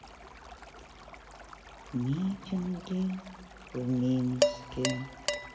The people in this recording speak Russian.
митинги в минске